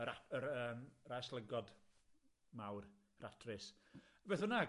y ra- yr yym ras lygod mawr, rat rês, beth bynnag.